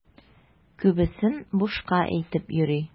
Күбесен бушка әйтеп йөри.